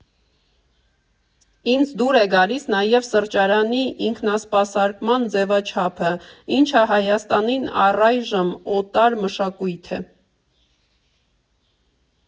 Ինձ դուր է գալիս նաև սրճարանի ինքնասպասարկման ձևաչափը, ինչը Հայաստանին առայժմ օտար մշակույթ է.